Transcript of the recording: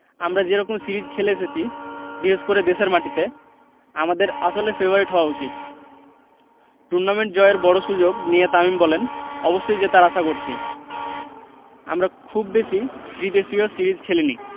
আমরা যে রকম সিরিজ খেলে এসেছি বিশেষ করে দেশের মাটিতে আমাদের আসলে ফেবারিট হওয়া উচিত টুর্নামেন্ট জয়ের বড় সুযোগ নিয়ে তামিম বললেন অবশ্যই জেতার আশা করছি আমরা খুব বেশি ত্রিদেশীয় সিরিজ খেলেনি